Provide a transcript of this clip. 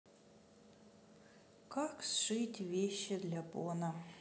как сшить вещи для бона